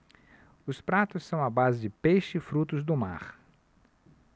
os pratos são à base de peixe e frutos do mar